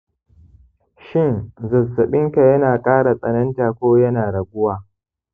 shin zazzaɓinka yana ƙara tsananta ko yana raguwa?